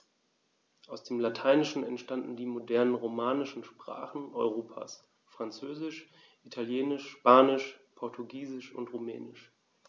Aus dem Lateinischen entstanden die modernen „romanischen“ Sprachen Europas: Französisch, Italienisch, Spanisch, Portugiesisch und Rumänisch.